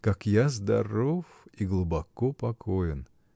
Как я здоров и глубоко покоен!